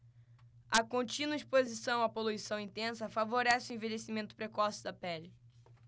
a contínua exposição à poluição intensa favorece o envelhecimento precoce da pele